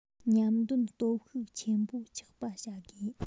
མཉམ འདོན སྟོབས ཤུགས ཆེན པོ ཆགས པ བྱ དགོས